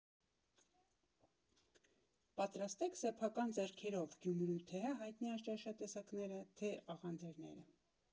Պատրաստեք սեփական ձեռքերով Գյումրու թե՛ հայտնի ճաշատեսակները, թե՛ աղանդերները.